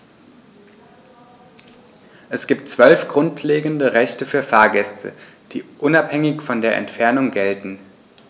Es gibt 12 grundlegende Rechte für Fahrgäste, die unabhängig von der Entfernung gelten.